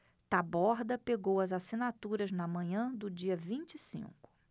taborda pegou as assinaturas na manhã do dia vinte e cinco